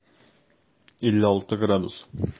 Бу - Җирдә температураның иң югары чиге.